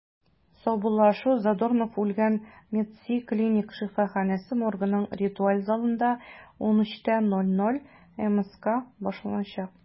Саубуллашу Задорнов үлгән “МЕДСИ” клиник шифаханәсе моргының ритуаль залында 13:00 (мск) башланачак.